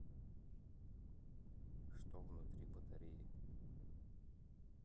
что внутри батареи